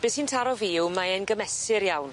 Be' sy'n taro fi yw mae e'n gymesur iawn.